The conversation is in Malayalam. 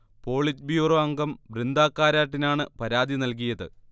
പോളിറ്റ് ബ്യൂറോ അംഗം ബൃന്ദാ കാരാട്ടിനാണ് പരാതി നൽകിയത്